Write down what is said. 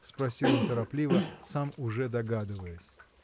— спросил он торопливо, сам уже догадываясь.